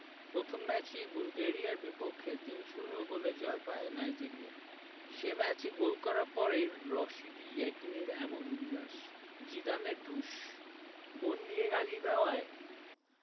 প্রথম ম্যাচেই বুলগেরিয়ার বিপক্ষে ৩ ০ গোলের জয় পায় নাইজেরিয়া সে ম্যাচে গোল করার পরই রশিদী ইয়েকিনির এমন উল্লাস জিদানের ঢুস বোন নিয়ে গালি দেওয়ায়